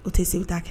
O tɛ se segu taa kɛ